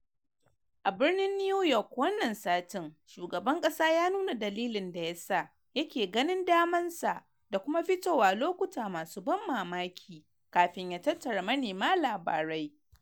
A Birnin New York wannan satin, shugaban kasa ya nuna dalilin da ya sa, ya ke yin ganin daman sa da kuma fitowa lokuta masu ban mamaki kafin ya tattara manema labarai.